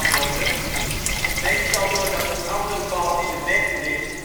worden, meestal doordat een andere bal in de weg ligt